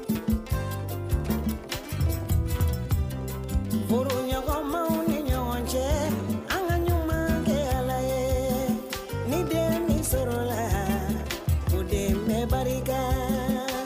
Furuɲɔgɔnmaw ni ɲɔgɔn cɛ an ka ɲuman ɲuman kɛkɛla ye ni den sɔrɔla o den bɛ barika